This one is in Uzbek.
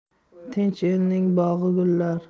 tinch elning bog'i gullar